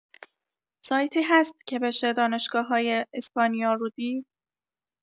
سایتی هست که بشه دانشگاه‌‌های اسپانیا رو دید؟